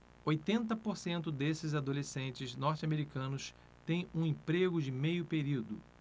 oitenta por cento desses adolescentes norte-americanos têm um emprego de meio período